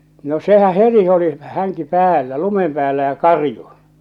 no sehän heti oli hänkin päällä lumen päällä ja karjui